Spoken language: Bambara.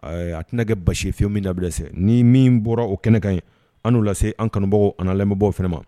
A tɛna kɛ basi fiyewu min nan bɛ dɛsɛ ni min bɔra o kɛnɛ kan an n'u lase an kanubɔ ani lamɛnbagaw fana ma.